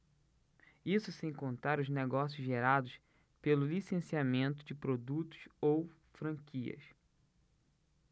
isso sem contar os negócios gerados pelo licenciamento de produtos ou franquias